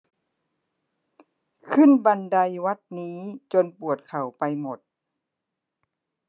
ขึ้นบันไดวัดนี้จนปวดเข่าไปหมด